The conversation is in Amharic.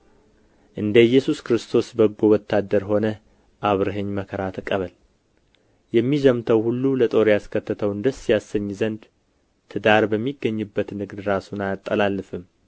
እንደ ኢየሱስ ክርስቶስ በጎ ወታደር ሆነህ አብረኸኝ መከራ ተቀበል የሚዘምተው ሁሉ ለጦር ያስከተተውን ደስ ያሰኝ ዘንድ ትዳር በሚገኝበት ንግድ ራሱን አያጠላልፍም